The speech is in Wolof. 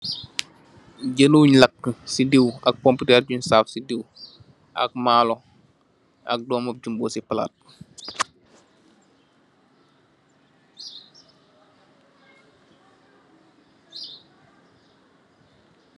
Jeng bunj laki ci dew ak pompiterr bunj saff ci dew ak maalo ak domuc jimbo ci palat.